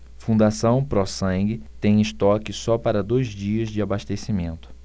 fundação pró sangue tem estoque só para dois dias de abastecimento